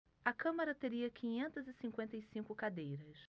a câmara teria quinhentas e cinquenta e cinco cadeiras